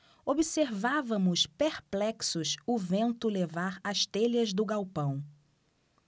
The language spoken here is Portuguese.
observávamos perplexos o vento levar as telhas do galpão